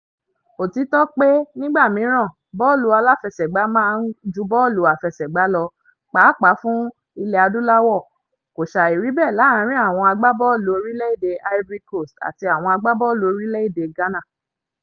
Òtítọ́ pé nígbà mìíràn bọ́ọ̀lù aláfẹsẹ̀gbá "máa ń ju bọ́ọ̀lù àfẹsẹ̀gbá lọ", pàápàá fún Ilẹ̀ Adúláwò, kò sàì rí bẹ́ẹ̀ láàárín àwọn agbábọ́ọ̀lù Orílẹ̀-èdè Ivory Coast àti àwọn agbábọ́ọ̀lù Orílẹ̀-èdè Ghana.